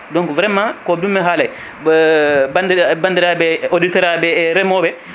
donc vraiment ko ɗum mi haale bandiraɓe e auditeur aɓe e reemoɓe